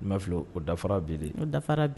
Ni n ma fili o danfara be yen. Danfara